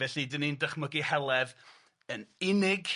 Felly 'dan ni'n dychmygu Heledd yn unig.